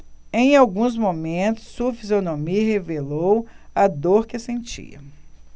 em alguns momentos sua fisionomia revelou a dor que sentia